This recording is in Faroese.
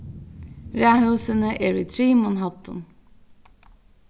raðhúsini eru í trimum hæddum